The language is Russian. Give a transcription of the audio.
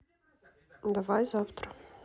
давай завтра